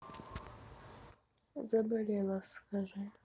заболела скажи